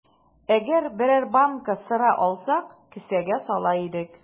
Әгәр берәр банка сыра алсак, кесәгә сала идек.